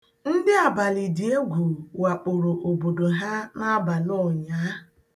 Ndị abalịdịegwu wakporo obodo ha n'abalị ụnyaa.